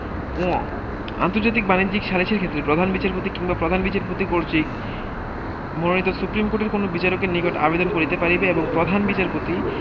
ঙ আন্তর্জাতিক বাণিজ্যিক সালিসের ক্ষেত্রে প্রধান বিচারপতি কিংবা প্রধান বিচারপতি কর্তৃক মনোনীত সুপ্রীম কোর্টের কোন বিচারকের নিকট আবেদন করিতে পারিবে এবং প্রধান বিচারপতি